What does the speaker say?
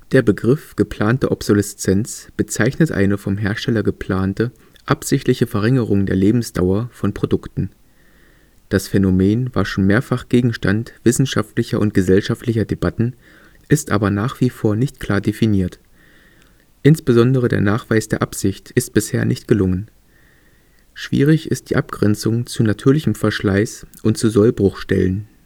Der Begriff geplante Obsoleszenz bezeichnet eine vom Hersteller geplante, absichtliche Verringerung der Lebensdauer von Produkten. Das Phänomen war schon mehrfach Gegenstand wissenschaftlicher und gesellschaftlicher Debatten, ist aber nach wie vor nicht klar definiert. Insbesondere der Nachweis der Absicht ist bisher nicht gelungen. Schwierig ist die Abgrenzung zu natürlichem Verschleiß und zu Sollbruchstellen